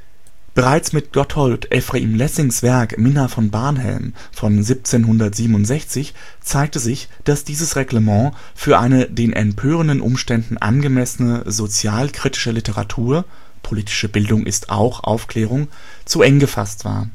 bereits mit Gotthold Ephraim Lessings Werk Minna von Barnhelm von 1767 zeigte sich, dass dieses Reglement für eine den empörenden Umständen angemessene sozialkritische Literatur (politische Bildung ist auch Aufklärung) zu eng gefasst war